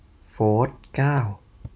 โฟธเก้า